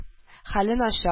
Хәле начар